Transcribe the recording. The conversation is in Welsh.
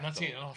'na ti